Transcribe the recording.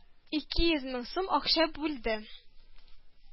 Ике йөз мең сум акча бүлде